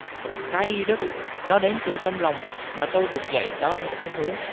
cái y đức nó đến từ trong lòng mà tôi được dạy đó là thiên hướng